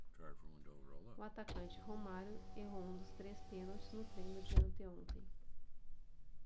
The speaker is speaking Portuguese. o atacante romário errou um dos três pênaltis no treino de anteontem